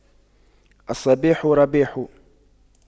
الصباح رباح